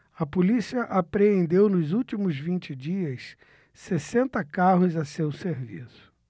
a polícia apreendeu nos últimos vinte dias sessenta carros a seu serviço